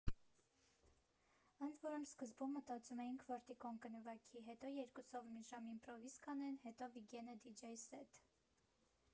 Ընդ որում, սկզբում մտածել էինք, որ Տիկոն կնվագի, հետո երկուսով մի ժամ իմպրովիզ կանեն, հետո Վիգենը՝ դիջեյ սեթ։